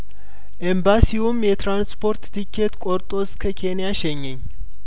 ኤምባሲውም የትራንስፖርት ትኬት ቆርጦ እስከ ኬንያ ሸኘኝ